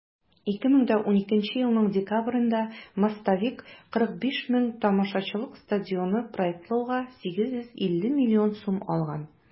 2012 елның декабрендә "мостовик" 45 мең тамашачылык стадионны проектлауга 850 миллион сум алган.